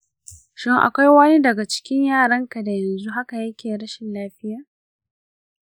shin akwai wani daga cikin yaranka da yanzu haka yake rashin lafiya?